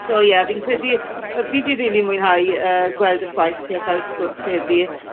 So ie fi'n credu wel fi 'di rili mwynhau yy gweld 'ych gwaith chi a ca'l sgwrs heddi.